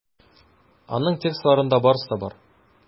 Аның текстларында барысы да бар.